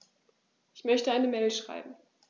Ich möchte eine Mail schreiben.